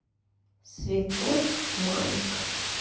святой майк